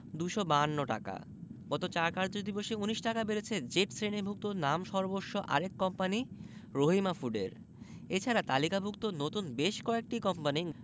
২৫২ টাকা গত ৪ কার্যদিবসে ১৯ টাকা বেড়েছে জেড শ্রেণিভুক্ত নামসর্বস্ব আরেক কোম্পানি রহিমা ফুডের এ ছাড়া তালিকাভুক্ত নতুন বেশ কয়েকটি কোম্পানি